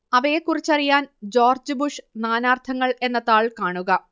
അവയെക്കുറിച്ചറിയാൻ George Bush നാനാർത്ഥങ്ങൾ എന്ന താൾ കാണുക